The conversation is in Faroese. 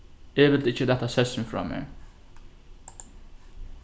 eg vildi ikki lata sessin frá mær